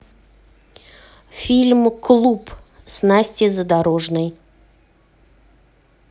фильм клуб с настей задорожной